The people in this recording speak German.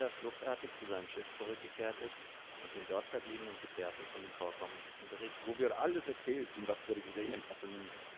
fluchtartig zu seinem Schiff zurückgekehrt ist und den dort verbliebenen Gefährten von den Vorkommnissen berichtet